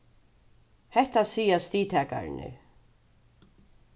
hetta siga stigtakararnir